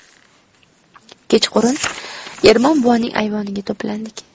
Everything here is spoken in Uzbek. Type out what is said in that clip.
kechqurun ermon buvaning ayvoniga to'plandik